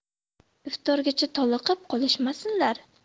iftorgacha toliqib qolmasinlar